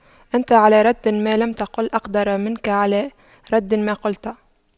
أنت على رد ما لم تقل أقدر منك على رد ما قلت